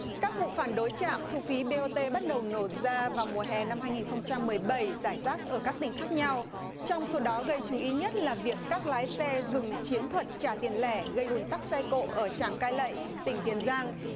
các vụ phản đối trạm thu phí bê o tê bắt đầu nổ ra vào mùa hè năm hai nghìn không trăm mười bảy rải rác ở các tỉnh khác nhau trong số đó gây chú ý nhất là việc các lái xe dùng chiến thuật trả tiền lẻ gây ùn tắc xe cộ ở trạm cai lậy tỉnh tiền giang